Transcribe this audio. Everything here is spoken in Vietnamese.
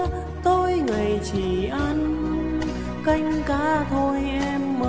tối ngày chỉ ăn canh cá thôi em ơi